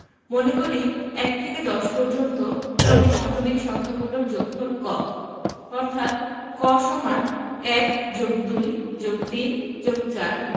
মনে করি ১ থেকে ১০ পর্যন্ত ক্রমিক স্বাভাবিক সংখ্যাগুলোর যোগফল ক অর্থাৎ ক = ১+২+৩+৪